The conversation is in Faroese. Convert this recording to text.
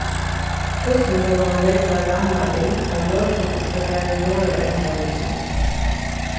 húsini hjá honum liggja rammað inn av vøkrum urtagarði í norðara enda av bygdini